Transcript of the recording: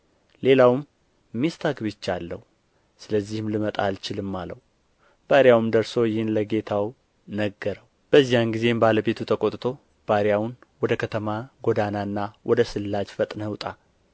ሌላውም ሚስት አግብቼአለሁ ስለዚህም ልመጣ አልችልም አለው ባሪያውም ደርሶ ይህን ለጌታው ነገረው በዚያን ጊዜ ባለቤቱ ተቆጥቶ ባሪያውን ወደ ከተማ ጎዳናና ወደ ስላች ፈጥነህ ውጣ